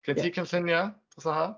Gen ti cynlluniau dros yr Haf?